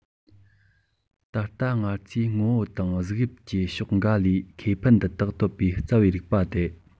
ད ལྟ ང ཚོས ངོ བོ དང གཟུགས དབྱིབས ཀྱི ཕྱོགས འགལ ལས ཁེ ཕན འདི དག ཐོབ པའི རྩ བའི རིགས པ སྟེ